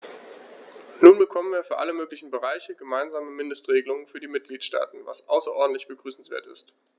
Nun bekommen wir für alle möglichen Bereiche gemeinsame Mindestregelungen für die Mitgliedstaaten, was außerordentlich begrüßenswert ist.